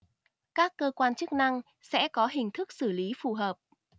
các cơ quan chức năng sẽ có hình thức xử lý phù hợp